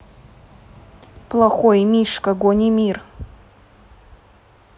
плохой мишка гони мир